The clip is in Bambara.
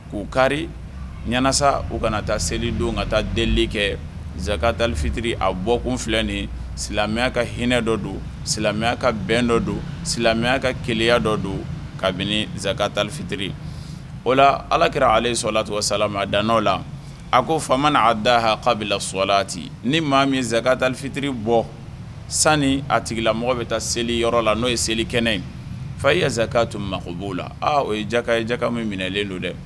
K'u kari ɲɛnaanasa u kana taa seli don ka taa deli kɛ n zaniakali fittiri a bɔ kun filɛ nin silamɛya ka hinɛ dɔ don silamɛya ka bɛn dɔ don silamɛya ka keya dɔ don kabiniakatali fittiri o la ala kɛra ale sɔn lat sa a dan n'o la a ko faama n'a da h k'a bɛ la sowalati ni maa mina tali fittiri bɔ sanini a tigila mɔgɔ bɛ taa seli yɔrɔ la n'o ye seli kɛnɛ ye fa yeka to mago bo la o ye jaka jaka min minɛlen don dɛ